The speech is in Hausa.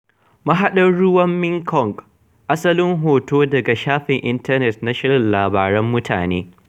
Mahaɗar ruwan Mekong. Asalin hoto daga shafin intanet na "shirin Labaran mutane".